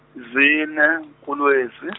zine uLwezi.